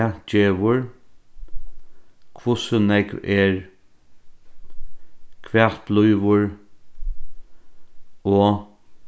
tað gevur hvussu nógv er hvat blívur og